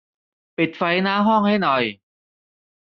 ปิดไฟหน้าห้องให้หน่อย